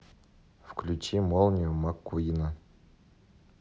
включи молнию маккуина